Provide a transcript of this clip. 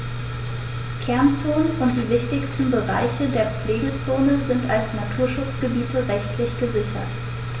Kernzonen und die wichtigsten Bereiche der Pflegezone sind als Naturschutzgebiete rechtlich gesichert.